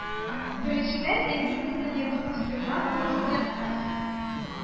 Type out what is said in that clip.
Беренчедән, әни безне йокыбыз туймас борын уятты